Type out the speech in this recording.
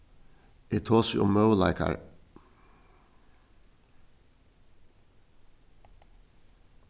eg tosi um møguleikar